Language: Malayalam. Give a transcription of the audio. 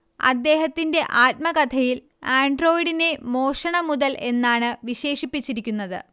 അദ്ദേഹത്തിന്റെ ആത്മകഥയിൽ ആൻഡ്രോയിഡിനെ മോഷണ മുതൽ എന്നാണ് വിശേഷിപ്പിച്ചിരിക്കുന്നത്